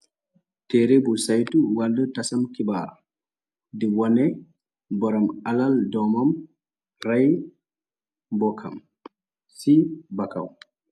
Teeree bu saytu wàllum tasam kibaar di wone boram alal doomam ray mbokkam ci bakaw.